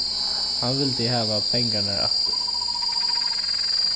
hann vildi hava pengarnar aftur